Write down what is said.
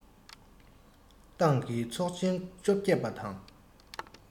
ཏང གི ཚོགས ཆེན བཅོ བརྒྱད པ དང